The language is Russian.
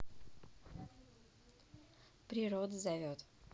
природа зовет